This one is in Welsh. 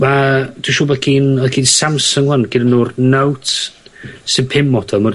ma' dwi siwr bo gin ma' gin Samsung 'wan ginnon nw'r Note sy'n pum model ma'r...